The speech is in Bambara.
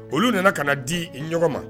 Olu nana ka na di ɲɔgɔn ma